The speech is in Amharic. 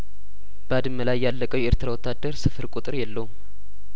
ባድመ ላይ ያለቀው የኤርትራ ወታደር ስፍር ቁጥር የለውም